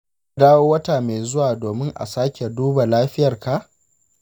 za ka dawo wata mai zuwa domin a sake duba lafiyarka?